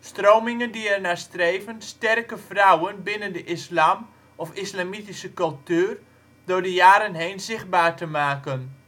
Stromingen die ernaar streven ' sterke vrouwen ' binnen de islam / islamitische cultuur door de jaren heen zichtbaar te maken